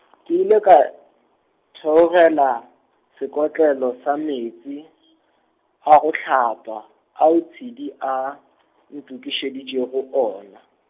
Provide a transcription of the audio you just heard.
ke ile ka, theogela sekotlelo sa meetse , a go hlapa ao Tshidi a , ntokišeditšego ona.